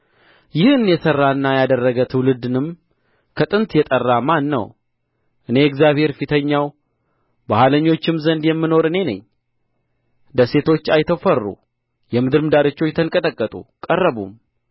ይህን የሠራና ያደረገ ትውልድንም ከጥንት የጠራ ማን ነው እኔ እግዚአብሔር ፊተኛው በኋላኞችም ዘንድ የምኖር እኔ ነኝ ደሴቶች አይተው ፈሩ የምድርም ዳርቾች ተንቀጠቀጡ ቀረቡም